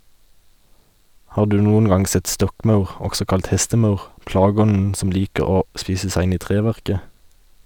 Har du noen gang sett stokkmaur, også kalt hestemaur , plageånden som liker å spise seg inn i treverket?